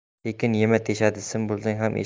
tekin yema teshadi sim bo'lsang ham eshadi